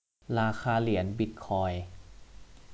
ราคาเหรียญบิทคอยน์